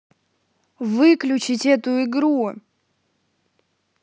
выключить эту игру